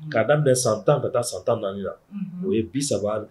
Ka daminɛ san 10 ka taa san 14 na, unhun o ye 30